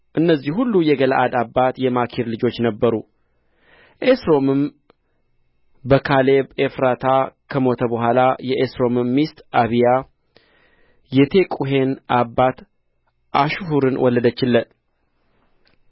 እነዚህ ሁሉ የገለዓድ አባት የማኪር ልጆች ነበሩ ኤስሮምም በካሌብ ኤፍራታ ከሞተ በኋላ የኤስሮም ሚስት አቢያ የቴቁሔን አባት አሽሑርን ወለደችለት